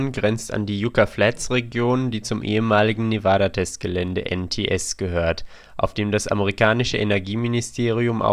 grenzt an die Yucca Flats-Region, die zum ehemaligen Nevada-Testgelände (NTS) gehört, auf dem das amerikanische Energieministerium